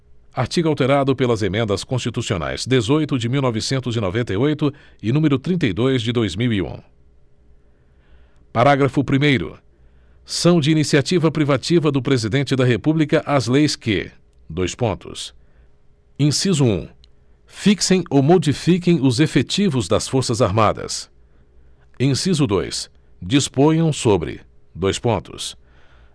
artigo alterado pelas emendas constitucionais dezoito de mil novecentos e noventa e oito e número trinta e dois de dois mil e um parágrafo primeiro são de iniciativa privativa do presidente da república as leis que dois pontos inciso um fixem ou modifiquem os efetivos das forças armadas inciso dois disponham sobre dois pontos